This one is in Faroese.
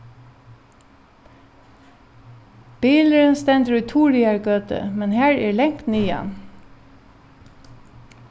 bilurin stendur í turiðargøtu men har er langt niðan